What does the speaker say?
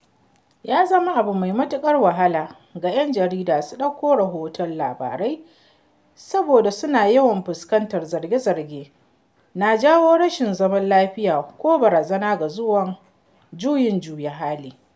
Ya zama abu mai matuƙar wahala ga 'yan jarida su ɗauko rahoton labarai saboda suna yawan fuskantar zarge-zarge na "jawo rashin zaman lafiya" ko "barazana ga juyin juya halin."